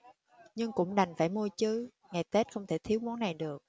nhưng cũng đành phải mua chứ ngày tết không thể thiếu món này được